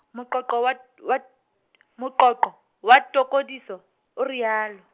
moqoqo wa t- wa t-, moqoqo, wa tokodiso o realo.